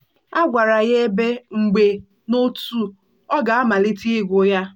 A gwara ya ebe , mgbe , na otu ọ ga-amalite igwu ya.